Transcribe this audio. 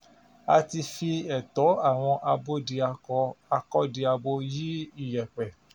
A ti fi ẹ̀tọ́ àwọn abódiakọ-akọ́diabo yí iyẹ̀pẹ̀.